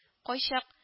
Кайчак